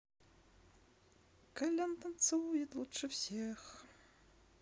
колян танцует лучше всех